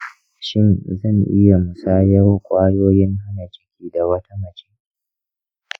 shin zan iya musayar kwayoyin hana ciki da wata mace?